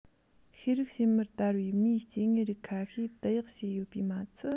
ཤེས རིག ཕྱེད མར དར པའི མིས སྐྱེ དངོས རིགས ཁ ཤས བཏུལ ཡག བྱས པའི མ ཚད